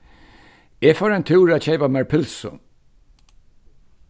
eg fór ein túr at keypa mær pylsu